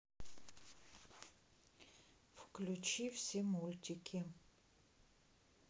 включи все мультики